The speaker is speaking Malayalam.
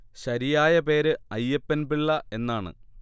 ശരിയായ പേര് അയ്യപ്പൻ പിള്ള എന്നാണ്